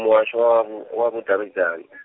Muhasho wa vhu- wa Vhudavhidzani .